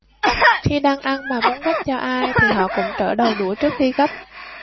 khi đang ăn mà muốn gắp cho ai thì họ cũng trở đầu đũa trước khi gắp